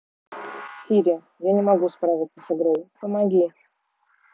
сири я не могу справиться с игрой помоги